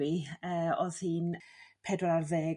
Ee oedd hi'n pedwar ar ddeg